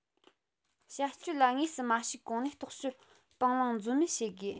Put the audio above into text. བྱ སྤྱོད ལ དངོས སུ མ ཞུགས གོང ནས རྟོག དཔྱོད སྤང བླང འཛོལ མེད བྱེད དགོས